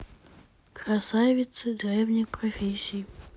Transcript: красавицы древних профессий